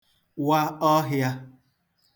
wa ọhịā